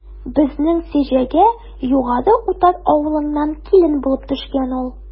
Безнең Сеҗегә Югары Утар авылыннан килен булып төшкән ул.